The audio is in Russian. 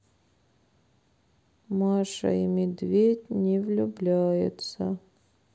маша и медведь не влюбляются